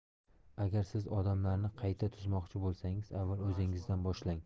agar siz odamlarni qayta tuzmoqchi bo'lsangiz avval o'zingizdan boshlang